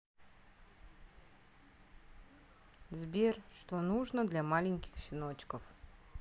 сбер что нужно для маленьких щеночков